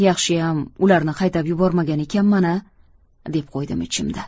yaxshiyam ularni haydab yubormagan ekanman a deb qo'ydim ichimda